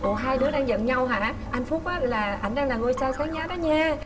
ủa hai đứa đang giận nhau hả anh phúc á là ảnh đang là ngôi sao sáng giá đó nha